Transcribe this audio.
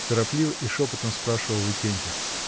— торопливо и шепотом спрашивал Викентьев.